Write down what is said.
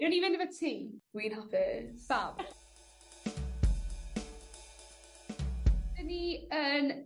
...newn ni fynd efo ti. Dwi'n hapus. Ffab. 'Dyn ni yn